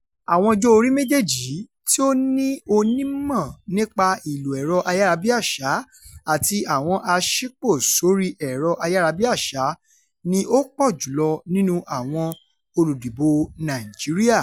Àwọn ọjọ́-orí méjèèjì yìí, tí ó ní onímọ̀ nípa ìlò ẹ̀rọ ayárabíàṣá àti àwọn aṣípò sórí ẹ̀rọ ayárabíàṣá, ni ó pọ̀ jù lọ nínú àwọn olùdìbòo Nàìjíríà.